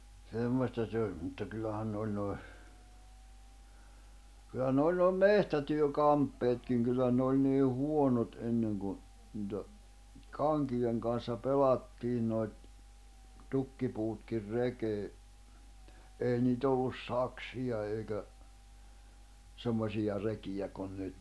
semmoista se oli mutta kyllähän ne oli nuo kyllä ne oli nuo metsätyökamppeetkin kyllä ne oli niin huonot ennen kun niitä kankien kanssa pelattiin noita tukkipuutkin rekeen ei niitä ollut saksia eikä semmoisia rekiä kuin nyt